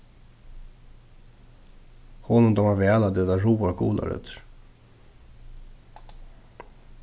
honum dámar væl at eta ráar gularøtur